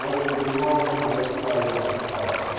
После чего -- угощаю марсалой! --